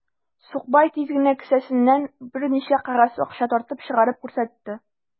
Сукбай тиз генә кесәсеннән берничә кәгазь акча тартып чыгарып күрсәтте.